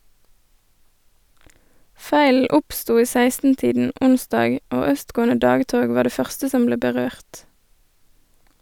Feilen oppsto i 16-tiden onsdag, og østgående dagtog var det første som ble berørt.